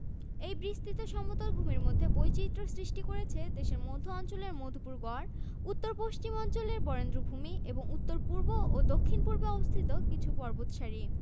সর্বোচ্চ আপেক্ষিক আর্দ্রতা আগস্ট সেপ্টেম্বর মাসে ৮০ থেকে ১০০ শতাংশ এবং সর্বনিম্ন আর্দ্রতা ফেব্রুয়ারি ও মার্চ মাসে ৩৬ শতাংশ প্রত্নস্থানঃ পাহাড়পুর